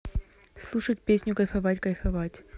слушать песню кайфовать кайфовать